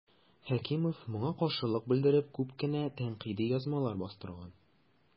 Хәкимов моңа каршылык белдереп күп кенә тәнкыйди язмалар бастырган.